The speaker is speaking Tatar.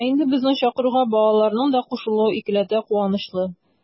Ә инде безнең чакыруга балаларның да кушылуы икеләтә куанычлы.